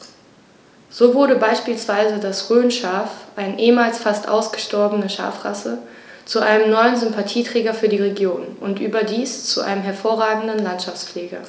So wurde beispielsweise das Rhönschaf, eine ehemals fast ausgestorbene Schafrasse, zu einem neuen Sympathieträger für die Region – und überdies zu einem hervorragenden Landschaftspfleger.